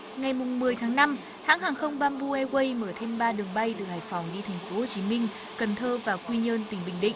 ngày mùng mười tháng năm hãng hàng không bam bu e guây mở thêm ba đường bay từ hải phòng đi thành phố hồ chí minh cần thơ và quy nhơn tỉnh bình định